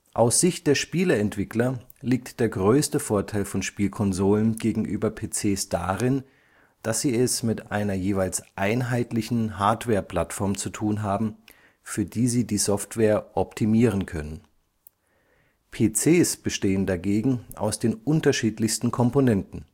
Aus Sicht der Spieleentwickler liegt der größte Vorteil von Spielkonsolen gegenüber PCs darin, dass sie es mit einer jeweils einheitlichen Hardware-Plattform zu tun haben, für die sie die Software optimieren können. PCs bestehen dagegen aus den unterschiedlichsten Komponenten